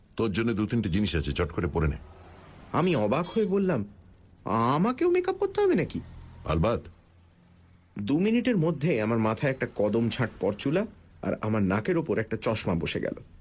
তোর জন্য দু তিনটে জিনিস আছে চট করে পরে নে আমি অবাক হয়ে বললাম আমাকেও মেকআপ করতে হবে নাকি আলবাৎ দুমিনিটের মধ্যে আমার মাথায় একটা কদম ছুটি পরচুলা আর আমার নাকের উপর একটা চশমা বসে গেল